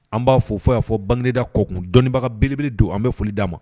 An b'a fɔ y'a fɔ bangegda kɔ dɔnniibaga bele don an bɛ foli d'a ma